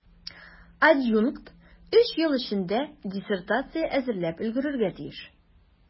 Адъюнкт өч ел эчендә диссертация әзерләп өлгерергә тиеш.